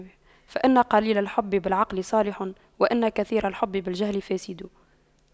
فإن قليل الحب بالعقل صالح وإن كثير الحب بالجهل فاسد